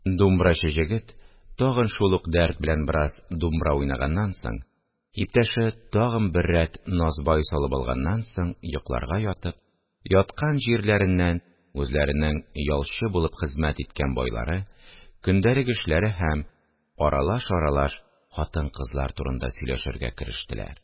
Думбрачы җегет, тагын шул ук дәрт белән бераз думбра уйнаганнан соң, иптәше тагын бер рәт насвай салып алганнан соң йокларга ятып, яткан җирләреннән үзләренең ялчы булып хезмәт иткән байлары, көндәлек эшләре һәм аралаш-аралаш хатын-кызлар турында сөйләшергә керештеләр